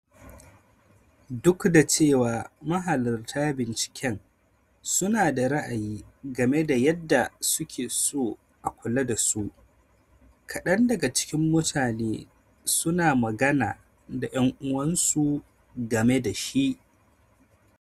Duk da cewa mahalarta binciken su na da ra'ayi game da yadda suke so a kula da su, kadan daga cikin mutane su na magana da' yan uwansu game da shi.